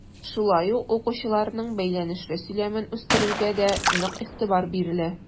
Шулай ук укучыларның бәйләнешле сөйләмен үстерүгә дә нык игътибар ителә.